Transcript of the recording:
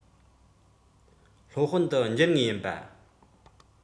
སློབ དཔོན ཏུ གྱུར ངེས ཡིན པ